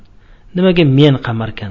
nimaga meni qamarkan